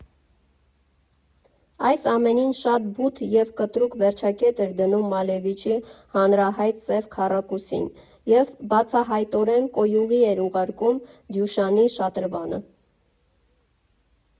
Այս ամենին շատ բութ և կտրուկ վերջակետ էր դնում Մալևիչի հանրահայտ «Սև քառակուսին» և բացահայտորեն «կոյուղի» էր ուղարկում Դյուշանի «Շատրվանը»։